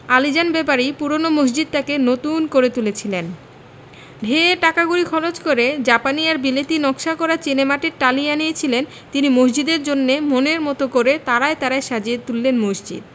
আলীজান ব্যাপারী পূরোনো মসজিদটাকে নতুন করে তুলেছিলেন ঢের টাকাকড়ি খরচ করে জাপানি আর বিলেতী নকশা করা চীনেমাটির টালি আনিয়েছিলেন তিনি মসজিদের জন্যে মনের মতো করে তারায় তারায় সাজিয়ে তুললেন মসজিদ